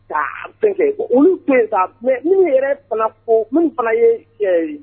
K olu tun ne yɛrɛ fana fɔ min fana ye ye